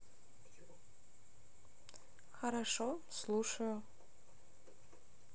хорошо слушаю